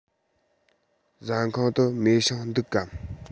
ཟ ཁང དུ མེ ཤིང འདུག གམ